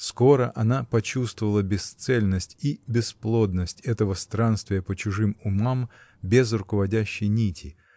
Скоро она почувствовала бесцельность и бесплодность этого странствия по чужим умам без руководящей нити.